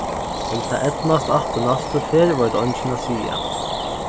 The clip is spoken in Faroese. um tað eydnast aftur næstu ferð veit eingin at siga